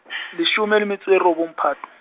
leshome le metso e robong Phato.